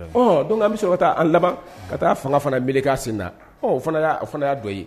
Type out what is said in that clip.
Don an bɛ sɔn ka taa an laban ka taa fanga fana mele sin na o fana' o fana y'a dɔ yen